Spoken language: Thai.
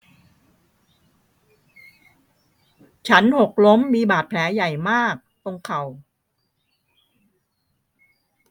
ฉันหกล้มมีบาดแผลใหญ่มากตรงเข่า